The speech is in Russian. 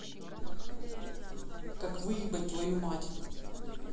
как выебать твою мать